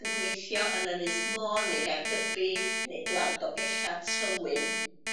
yn gweithio yn Ynys Môn neu Gaergybi neu Glawdd Dolgella Tywyn.